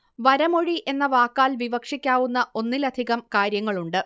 വരമൊഴി എന്ന വാക്കാൽ വിവക്ഷിക്കാവുന്ന ഒന്നിലധികം കാര്യങ്ങളുണ്ട്